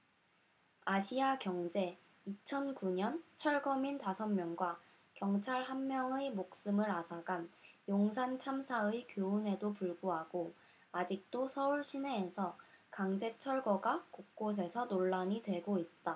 아시아경제 이천 구 년 철거민 다섯 명과 경찰 한 명의 목숨을 앗아간 용산참사의 교훈에도 불구하고 아직도 서울 시내에서 강제철거가 곳곳에서 논란이 되고 있다